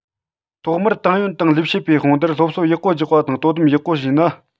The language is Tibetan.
ཐོག མར ཏང ཡོན དང ལས བྱེད པའི དཔུང སྡེར སློབ གསོ ཡག པོ རྒྱག པ དང དོ དམ ཡག པོ བྱས ན